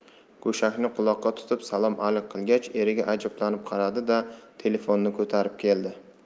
go'shakni quloqqa tutib salom alik qilgach eriga ajablanib qaradi da telefonni ko'tarib keldi